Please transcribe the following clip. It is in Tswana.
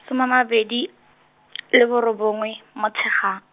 soma a mabedi, le borobongwe, Motshegang.